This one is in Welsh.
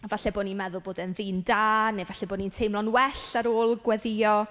A falle bo' ni'n meddwl bod e'n ddyn da, neu falle bod ni'n teimlo'n well ar ôl gweddïo.